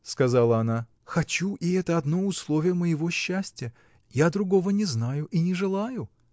— сказала она, — хочу — и это одно условие моего счастья: я другого не знаю и не желаю.